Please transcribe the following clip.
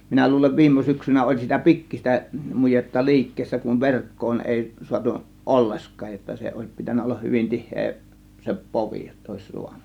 minä luulen viime syksynä oli sitä pikkuista mujetta liikkeessä kun verkkoon ei saatu ollenkaan jotta se olisi pitänyt olla hyvin tiheä se povi jotta olisi saanut